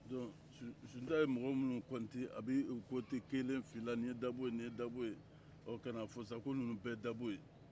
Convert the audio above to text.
donc sunjata ye mɔgɔ minnu compter a bɛ u compter kelen fila nin ye dabo ye nin ye dabo ye ɔ ka n'a fɔ sa ko ni bɛɛ ye dabɔ ye